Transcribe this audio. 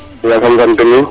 yasam sant miñ